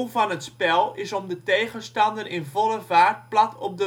van het spel is om de tegenstander in volle vaart plat op